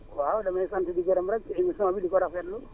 waaw damay sant di gërëm rek émission bi di ko rafetlu